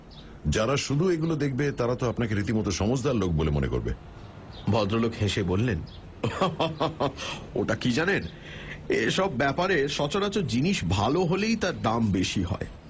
যারা শুধু এগুলো দেখবে তারা তো আপনাকে রীতিমতে সমঝদার লোক বলে মনে করবে ভদ্রলোক হেসে বললেন ওটা কী জানেন এ সব ব্যাপারে সচরাচর জিনিস ভাল হলেই তার দাম বেশি হয়